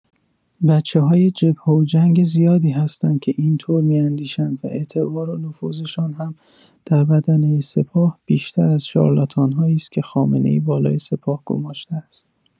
بچه‌های جبهه و جنگ زیادی هستند که اینطور می‌اندیشند و اعتبار و نفوذشان هم در بدنه سپاه بیشتر از شارلاتان‌هایی است که خامنه‌ای بالای سپاه گماشته است.